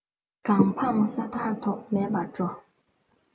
གང འཕངས སར ཐག ཐོགས མེད པར འགྲོ